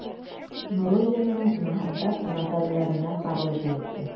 Нуруллинның «Мәхәббәт газәлләренә пародия»се.